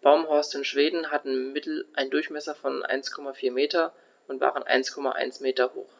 Baumhorste in Schweden hatten im Mittel einen Durchmesser von 1,4 m und waren 1,1 m hoch.